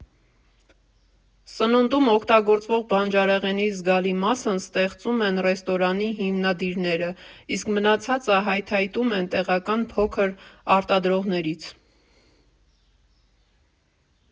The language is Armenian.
Սնունդում օգտագործվող բանջարեղենի զգալի մասն աճեցնում են ռեստորանի հիմնադիրները, իսկ մնացածը հայթայթում են տեղական փոքր արտադրողներից։